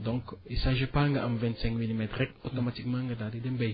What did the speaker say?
donc il s' agit pas nga am vingt cinq milimètres rekk automatiquement nga daal di dem bay